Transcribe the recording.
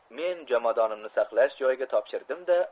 men jomadonimni saqlash joyiga topshirdim da